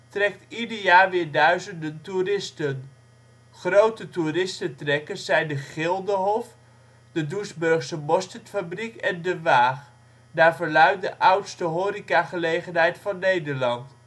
trekt ieder jaar weer duizenden toeristen. Grote toeristentrekkers zijn de Gildehof, de Doesburgse Mosterdfabriek en ' De Waag ', naar verluidt de oudste horecagelegenheid van Nederland